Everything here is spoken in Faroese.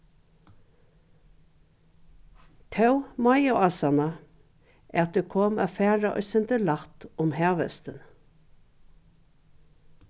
tó má eg ásanna at eg kom at fara eitt sindur lætt um havhestin